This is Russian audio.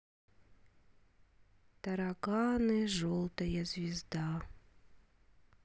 тараканы желтая звезда